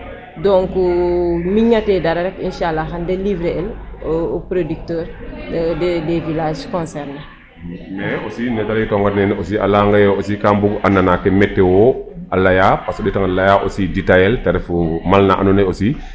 Donc miñatee dara rek inchaala xan da livrer el au producteur des villages concernées.